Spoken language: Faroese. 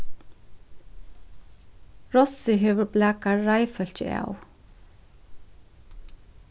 rossið hevur blakað reiðfólkið av